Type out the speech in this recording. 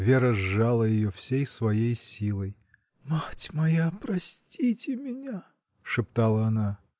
Вера сжала ее всей своей силой. — Мать моя, простите меня. — шептала она.